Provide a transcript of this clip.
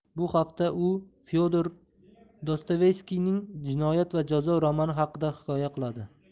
bu hafta u fyodor dostoyevskiyning jinoyat va jazo romani haqida hikoya qiladi